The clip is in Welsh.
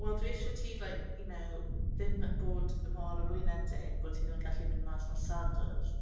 Wel, dwi isie ti like, you know, ddim bod mor flinedig bod ti ddim yn gallu mynd mas nos Sadwrn.